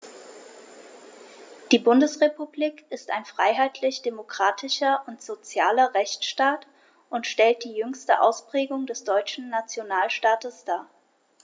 Die Bundesrepublik ist ein freiheitlich-demokratischer und sozialer Rechtsstaat und stellt die jüngste Ausprägung des deutschen Nationalstaates dar.